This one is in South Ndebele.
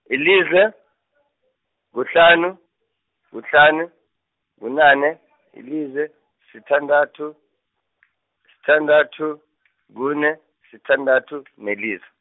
yilize , kuhlanu, kuhlanu, bunane , yilize, sithandathu , sithandathu, kune, sithandathu, nelize.